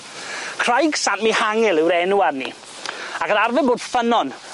Craig Sant Mihangel yw'r enw arni ac o'dd arfer bod ffynnon